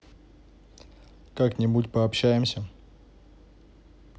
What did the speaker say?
как нибудь пообщаемся